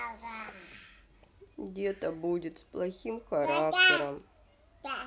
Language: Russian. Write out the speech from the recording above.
где то будет с плохим характером